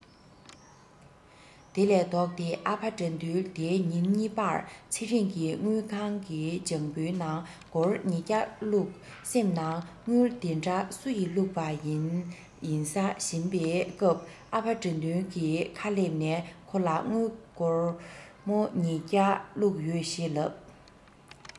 དེ ལས ལྡོག སྟེ ཨ ཕ དགྲ འདུལ དེའི ཉིན གཉིས པར ཚེ རིང གི དངུལ ཁང གི བྱང བུའི ནང སྒོར ཉི བརྒྱ བླུག སེམས ནང དངུལ འདི འདྲ སུ ཡི བླུག པ ཡིན ས བཞིན པའི སྐབས ཨ ཕ དགྲ འདུལ གྱི ཁ སླེབས ནས ཁོ ལ དངུལ སྒོར མོ ཉི བརྒྱ བླུག ཡོད ཞེས ལབ